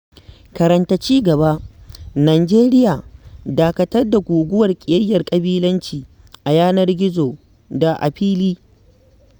Karanta cigaba: Nijeriya: Dakatar da guguwar ƙiyayyar ƙabilanci - a yanar gizo da a fili